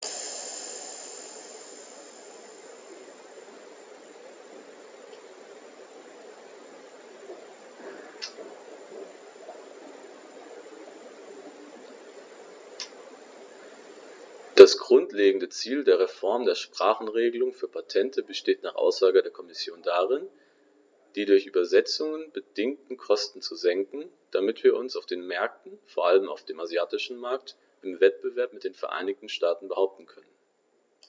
Das grundlegende Ziel der Reform der Sprachenregelung für Patente besteht nach Aussage der Kommission darin, die durch Übersetzungen bedingten Kosten zu senken, damit wir uns auf den Märkten, vor allem auf dem asiatischen Markt, im Wettbewerb mit den Vereinigten Staaten behaupten können.